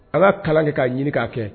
Ala kalan kɛ k'a ɲini k'a kɛ